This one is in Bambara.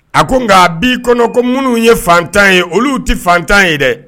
A ko nka a b'i kɔnɔ ko minnu ye faantan ye olu tɛ faantan ye dɛ